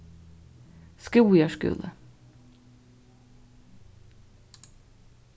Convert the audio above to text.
skúvoyar skúli